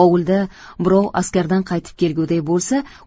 ovulda birov askardan qaytib kelgudek bolsa